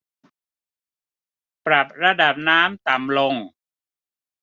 ปรับระดับน้ำต่ำลง